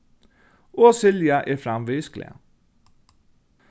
og silja er framvegis glað